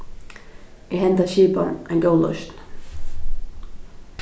er henda skipan ein góð loysn